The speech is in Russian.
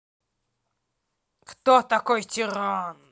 кто такой тиран